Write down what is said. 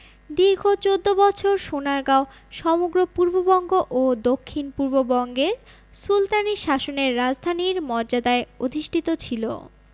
দীর্ঘ চৌদ্দ বছর সোনারগাঁও সমগ্র পূর্ববঙ্গ ও দক্ষিণপূর্ব বঙ্গের সুলতানি শাসনের রাজধানীর মর্যাদায় অধিষ্ঠিত ছিল